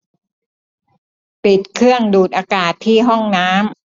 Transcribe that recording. ปิดเครื่องดูดอากาศที่ห้องน้ำ